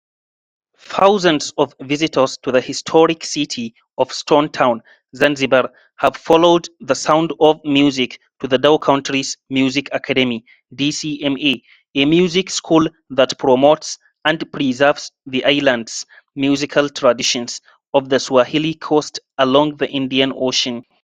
Thousands of visitors to the historic city of Stone Town, Zanzibar, have followed the sound of music to the Dhow Countries Music Academy (DCMA), a music school that promotes and preserves the islands’ musical traditions of the Swahili Coast along the Indian Ocean.